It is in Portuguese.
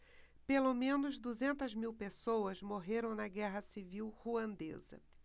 pelo menos duzentas mil pessoas morreram na guerra civil ruandesa